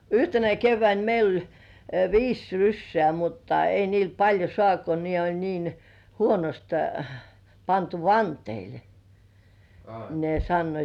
yhtenä keväänä meillä oli viisi rysää mutta ei niillä paljon saanut kun ne oli niin huonosti pantu vanteille ne sanoivat